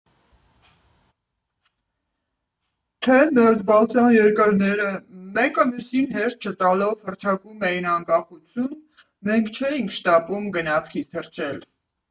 Թե Մերձբալթյան երկրները՝ մեկը մյուսին հերթ չտալով հռչակում էին անկախություն, մենք չէինք շտապում «գնացքից թռչել».